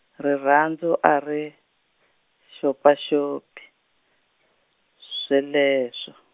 rirhandzu a ri, xopaxopi sweleswo.